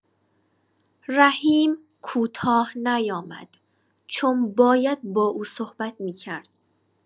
رحیم کوتاه نیامد؛ چون باید با او صحبت می‌کرد.